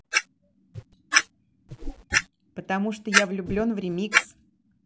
потому что я влюблен в remix